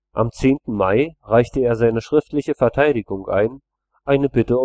Am 10. Mai reichte er seine schriftliche Verteidigung ein, eine Bitte